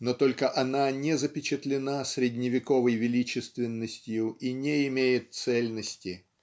Но только она не запечатлена средневековой величественностью и не имеет цельности.